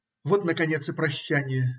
-------------- Вот наконец и прощанье.